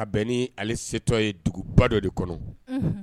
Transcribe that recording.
A bɛ ni ale setɔ ye duguba dɔ de kɔnɔ